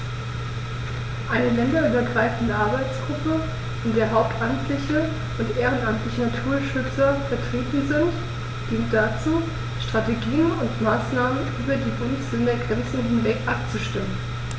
Eine länderübergreifende Arbeitsgruppe, in der hauptamtliche und ehrenamtliche Naturschützer vertreten sind, dient dazu, Strategien und Maßnahmen über die Bundesländergrenzen hinweg abzustimmen.